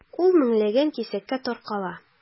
Ул меңләгән кисәккә таркала.